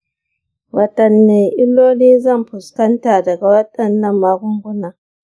wadanne illoli zan iya fuskanta daga waɗannan magungunan?